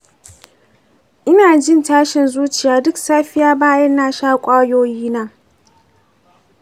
ina jin tashin zuciya duk safiya bayan na sha ƙwayoyina.